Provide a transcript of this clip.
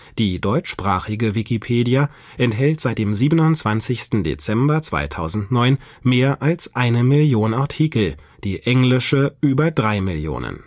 Die deutschsprachige Wikipedia enthält seit dem 27. Dezember 2009 mehr als eine Million Artikel, die englische über drei Millionen